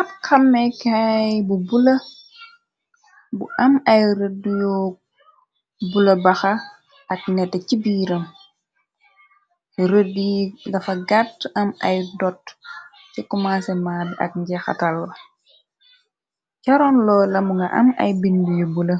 Ab xamekaay bu bula bu am ay rëdio bula baxa ak net ci biiram rëd yi dafa gàtt am ay dot ci komansemaa bi ak njexantal jaroon loo lamu nga am ay bind yu bula